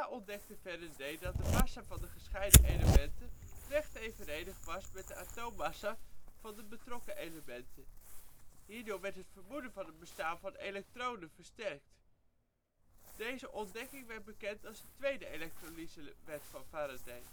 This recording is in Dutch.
ontdekte Faraday ook dat de massa van de gescheiden elementen recht evenredig was met de atoommassa van de betrokken elementen. Hierdoor werd het vermoeden van het bestaan van elektronen versterkt. Deze ontdekking werd bekend als de tweede elektrolysewet van Faraday